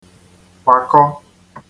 kwakọ